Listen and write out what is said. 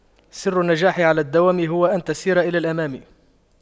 سر النجاح على الدوام هو أن تسير إلى الأمام